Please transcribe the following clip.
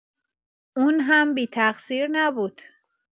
اون هم بی‌تقصیر نبود.